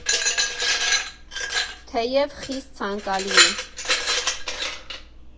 Թեև խիստ ցանկալի է.